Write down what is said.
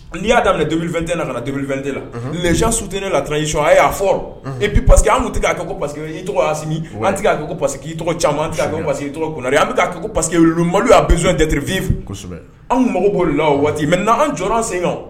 N'i y'a da minɛwu2te la nanabi2te la l sut ne la isiɔn a y'a fɔ e bi pa que an tɛ k'a ko paseke' tɔgɔ an tigɛ ko pa que k' tɔgɔ camanma parce que tɔgɔ an bɛ k' ko paseke malo y'a bisimilazttiririfininfu kosɛbɛ an mako' la o waati mɛ n an jɔ senɲɔgɔn